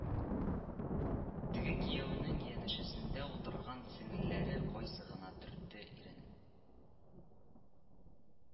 Теге кияүнең янәшәсендә утырган сеңелләре кайсы гына төрте ирен